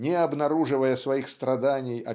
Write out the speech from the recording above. не обнаруживая своих страданий